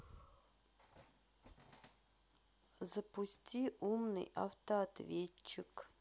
запусти умный автоответчик